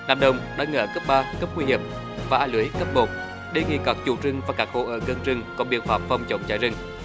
hợp đồng đang ở cấp ba cấp nguy hiểm vã lưới cấp bộ đề nghị các chủ trương và các hộ ở chương trình có biện pháp phòng chống cháy rừng